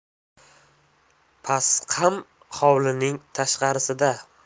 pasqam hovlining tashqarisida